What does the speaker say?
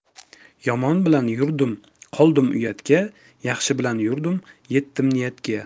yomon bilan yurdim qoldim uyatga yaxshi bilan yurdim yetdim niyatga